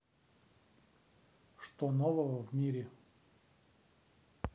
что нового в мире